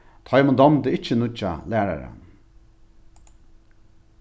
teimum dámdi ikki nýggja læraran